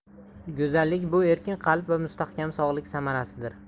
go'zallik bu erkin qalb va mustahkam sog'liq samarasidir